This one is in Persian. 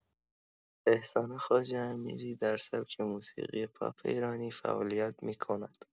احسان خواجه‌امیری در سبک موسیقی پاپ ایرانی فعالیت می‌کند.